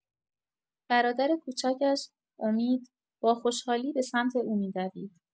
برادر کوچکش، امید، با خوشحالی به سمت او می‌دوید.